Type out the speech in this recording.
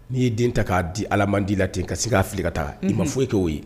N'i ye den ta k'a di ala man di la ten ka sin k'a fili ka ta i ma foyi kɛ'o ye